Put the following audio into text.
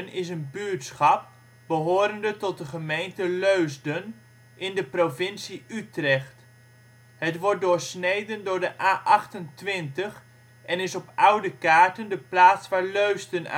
is een buurtschap behorende tot de gemeente Leusden, in de provincie Utrecht. Het wordt doorsneden door de A28 en is op oude kaarten de plaats waar Leusden